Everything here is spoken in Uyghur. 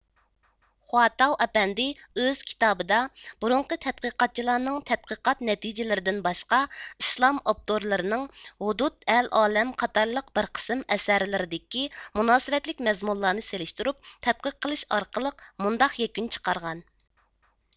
خۇا تاۋ ئەپەندى ئۆز كىتابىدا بۇرۇنقى تەتقىقاتچىلارنىڭ تەتقىقات نەتىجىلىرىدىن باشقا ئىسلام ئاپتورلىرىنىڭ ھودۇد ئەل ئالەم قاتارلىق بىر قىسىم ئەسەرلىرىدىكى مۇناسىۋەتلىك مەزمۇنلارنى سېلىشتۇرۇپ تەتقىق قىلىش ئارقىلىق مۇنداق يەكۈن چىقارغان